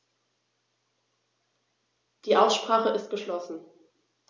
Die Aussprache ist geschlossen.